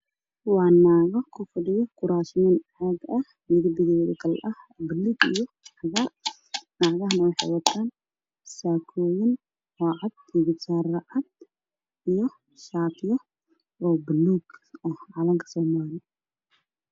Waa naago kufadhiyo kuraasman oo ah buluug iyo cagaar. Gabdhuhu waxay wataan saakooyin oo cadaan ah iyo garbasaaro cadaan ah iyo shaatiyo buluug ah oo calanka soomaaliya.